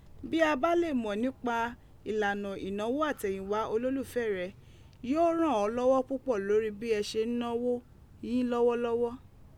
Bi a ba lee mọ nipa ilana inawo atẹyinwa ololufẹ rẹ, yoo ran ọ lọwọ pupọ lori bi ẹ ṣe n nawo yin lọwọlọwọ.